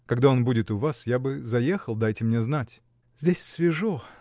— Когда он будет у вас, я бы заехал. дайте мне знать. — Здесь свежо!